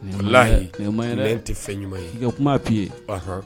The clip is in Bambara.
Lilahi Lɛn maɲi dɛ lɛn tI fɛn ɲuman ye k'i ka kuma f'i ye anhan